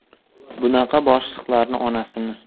bunaqa boshliqlarning onasini